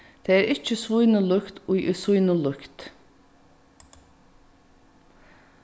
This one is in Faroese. tað er ikki svínum líkt ið er sínum líkt